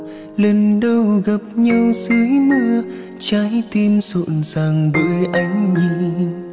lần đầu gặp nhau dưới mưa trái tim rộn ràng bởi ánh nhìn